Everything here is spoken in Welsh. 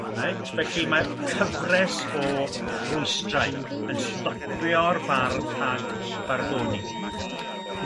Reit felly ma' cyfres o rwystrau yn sdopio'r bardd rhag barddoni.